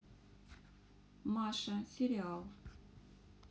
маша серия